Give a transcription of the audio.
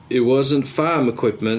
It wasn't farm equipment.